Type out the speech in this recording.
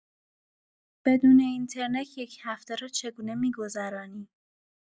بدون اینترنت یک هفته را چگونه می‌گذرانی؟